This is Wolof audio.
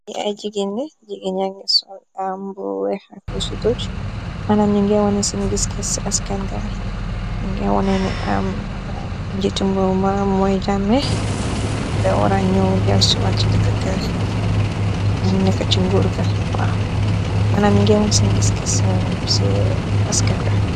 li ay jigi ni jigi njangi so ambuwe ak lu su tuc mënam ñi ngewone ci ngiski ci skanga ñi nge wone ni am njitimb ma moy jàme da wara ño del cu wàcc jëkk ga m neka ci nguur ga wa mënam ñu ngee won ci ngiski a ci skanga